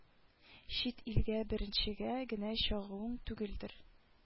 Чит илгә беренчегә генә чыгуың түгелдер